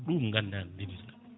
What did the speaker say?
ɗum ganda no ndeemirɗa